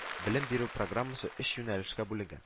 Белем бирү программасы өч юнәлешкә бүленгән: